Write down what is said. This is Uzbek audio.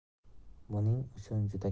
buning uchun juda